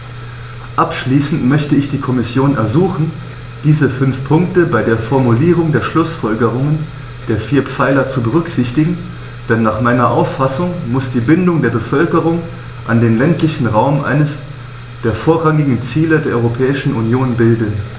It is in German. Abschließend möchte ich die Kommission ersuchen, diese fünf Punkte bei der Formulierung der Schlußfolgerungen der vier Pfeiler zu berücksichtigen, denn nach meiner Auffassung muss die Bindung der Bevölkerung an den ländlichen Raum eines der vorrangigen Ziele der Europäischen Union bilden.